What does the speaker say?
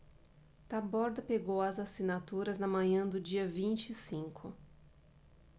taborda pegou as assinaturas na manhã do dia vinte e cinco